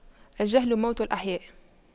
الجهل موت الأحياء